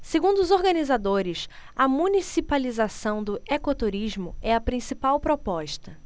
segundo os organizadores a municipalização do ecoturismo é a principal proposta